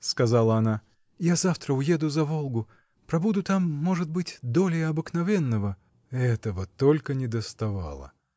— сказала она, — я завтра уеду за Волгу, — пробуду там, может быть, долее обыкновенного. — Этого только недоставало!